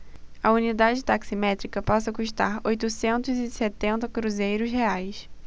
a unidade taximétrica passa a custar oitocentos e setenta cruzeiros reais